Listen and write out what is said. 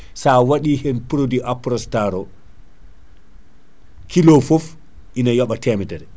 sa waɗi produit Aprostar o kilo foof ina yooɓa temedere